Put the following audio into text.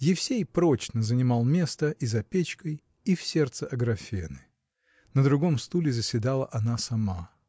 Евсей прочно занимал место и за печкой и в сердце Аграфены. На другом стуле заседала она сама.